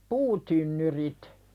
puutynnyrit